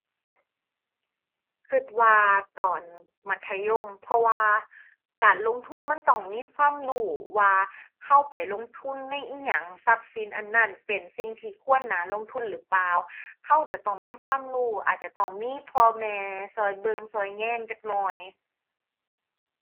คิดว่าตอนมัธยม เพราะว่าการลงทุนมันต้องมีความรู้ว่าคิดไปลงทุนในอิหยัง ทรัพย์สินอันนั้นเป็นสิ่งที่ควรน่าลงทุนหรือเปล่า คิดจะต้องมีความรู้ อาจจะต้องมีพ่อแม่คิดเบิ่งคิดแยงจักหน่อย